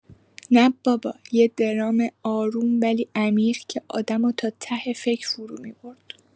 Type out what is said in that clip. نه بابا، یه درام آروم ولی عمیق که آدمو تا ته فکر فرومی‌برد.